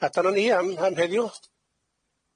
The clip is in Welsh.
A dyna ni am- am heddiw.